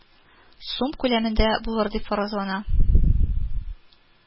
Сум күләмендә булыр дип фаразлана